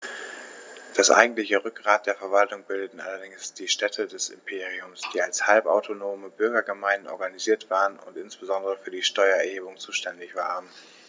Das eigentliche Rückgrat der Verwaltung bildeten allerdings die Städte des Imperiums, die als halbautonome Bürgergemeinden organisiert waren und insbesondere für die Steuererhebung zuständig waren.